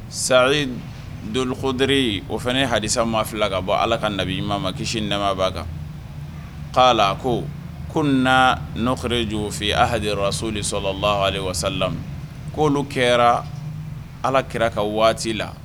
Sali donkɔd o fana ne halisa ma fila ka bɔ ala ka nabi ɲuman ma kisi nɛma b'a kan k'a la ko ko na nɔ kɛra ye jo fɔ a halaso de sɔrɔ wa' olu kɛra ala kɛra ka waati la